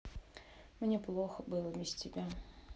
мне плохо было бы без тебя